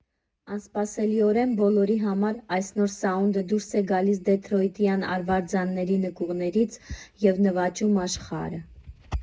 Անսպասելիորեն բոլորի համար այս նոր սաունդը դուրս է գալիս դեթրոյթյան արվարձանների նկուղներից և նվաճում աշխարհը։